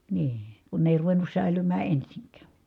niin kun ne ei ruvennut säilymään ensinkään